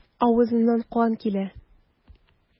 Авызыннан кан килә.